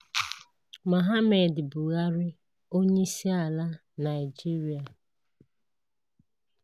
Muhammadu Buhari, onye isi ala naijiria. Creative Commons.